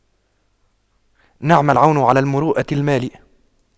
نعم العون على المروءة المال